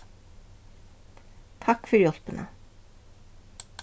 takk fyri hjálpina